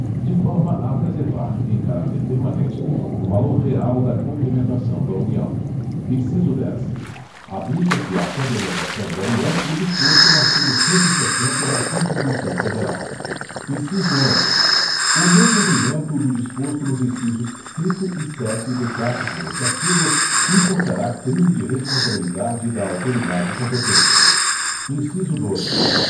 de forma a preservar em caráter permanente o valor real da complementação da união inciso dez aplica se à complementação da união o disposto no artigo cento e sessenta da constituição federal inciso onze o não cumprimento do disposto nos incisos cinco e sete do caput deste artigo importará crime de responsabilidade da autoridade competente inciso doze